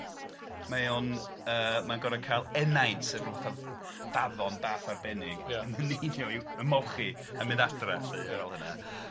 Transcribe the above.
mae o'n yy mae'n gor'o' cael enaint sef ryw fath o faddon bach arbennig. Ia. Yn mynnu hynny yw i ymolchi a mynd adre felly ar ôl hynna.